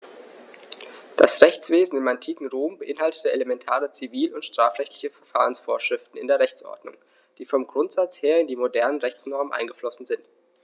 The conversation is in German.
Das Rechtswesen im antiken Rom beinhaltete elementare zivil- und strafrechtliche Verfahrensvorschriften in der Rechtsordnung, die vom Grundsatz her in die modernen Rechtsnormen eingeflossen sind.